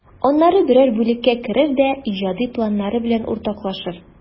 Аннары берәр бүлеккә керер дә иҗади планнары белән уртаклашыр.